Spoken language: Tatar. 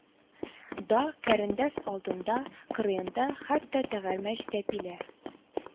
Да, кәрендәс алдында, кырыенда, хәтта тәгәрмәч тәпилә